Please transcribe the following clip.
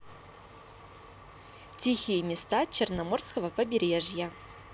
тихие места черноморского побережья